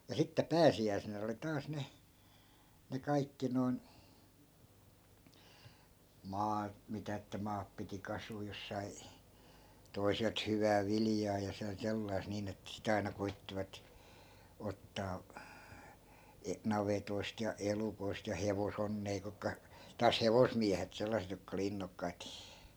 ja sitten pääsiäisenä oli taas ne ne kaikki noin maat mitä että maat piti kasuta jos sai toiselta hyvää viljaa ja sen sellaista niin että sitten aina koettivat ottaa - navetoista ja elukoista ja hevosonnea kutka taas hevosmiehet sellaiset jotka oli innokkaita